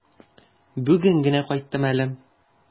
Бүген генә кайттым әле.